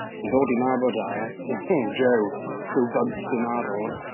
I ddod i nabod e, w jiw, few bumps in that road.